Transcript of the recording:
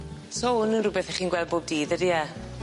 So 'wn yn rwbeth 'ych chi'n gwel' bob dydd ydi e?